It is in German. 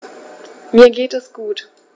Mir geht es gut.